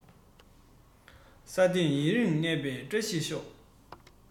ས སྟེང ཡུན རིང གནས པའི བཀྲ ཤིས ཤོག